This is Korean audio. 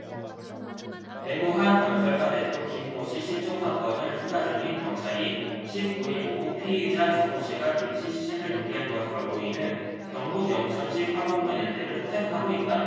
대구 한 건설사 대표 김모씨 실종 사건을 수사 중인 경찰이 십 구 일 오후 피의자 조모씨가 김씨 시신을 유기한 것으로 보이는 경북 영천시 화북면 일대를 수색하고 있다